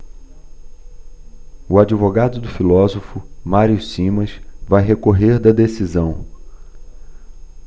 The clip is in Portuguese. o advogado do filósofo mário simas vai recorrer da decisão